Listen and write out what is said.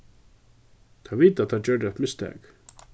teir vita at teir gjørdu eitt mistak